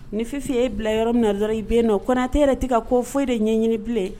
Nififin ye bila yɔrɔ min na d i bɛ nɔ konatɛ yɛrɛ tɛ ka ko foyi de ɲɛɲini bilen